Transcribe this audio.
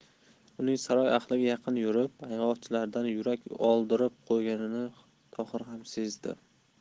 uning saroy ahliga yaqin yurib ayg'oqchilardan yurak oldirib qo'yganini tohir ham sezdi